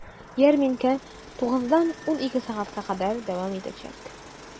Ярминкә 9 дан 12 сәгатькә кадәр дәвам итәчәк.